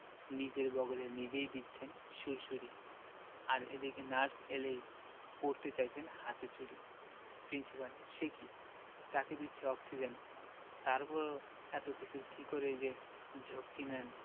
নিজের বগলে নিজেই দিচ্ছেন সুড়সুড়ি আর এদিকে নার্স এলেই পরতে চাইছেন হাতে চুড়ি প্রিন্সিপাল সে কি তাকে দিচ্ছে অক্সিজেন তারপরেও এত কিছুর কি করে যে ঝক্কি নেন